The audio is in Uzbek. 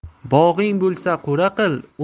bog'ing bo'lsa qo'ra qil